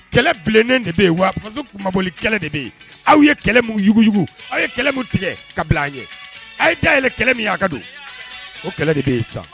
Kɛlɛ bilennen de bɛ yen waoli kɛlɛ de bɛ yen aw ye kɛlɛ munuguugu aw ye kɛlɛ min tigɛ ka bila an ye a ye da yɛlɛ kɛlɛ min a ka don o kɛlɛ de bɛ yen san